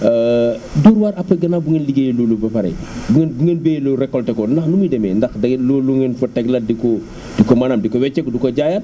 Dóor waar après gannaaw bi ngeen liggéeyee loolu ba pare bu bu ngeen bayee loolu récolté ko ndax nu muy demee ndax da ngeen loolu lu ngeen fa teg la di ko di ko maanaam di ko wécceeku di ko jaayaat